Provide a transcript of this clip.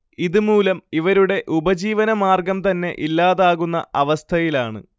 ഇതുമൂലം ഇവരുടെ ഉപജീവനമാർഗം തന്നെ ഇല്ലാതാകുന്ന അവ്സഥയിലാണ്